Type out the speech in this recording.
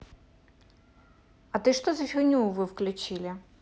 а ты что за фигню вы включили